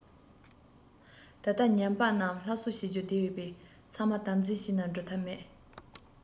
སྟོན ཐོག གི སྐེད པ ཆ ཚང བ སྐྱེལ བར ཤོག ཅེས བརྗོད དེ ཨ ཁུ སྟོན བ ཕྱིར བཏང